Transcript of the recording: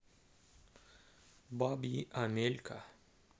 бабьи амелька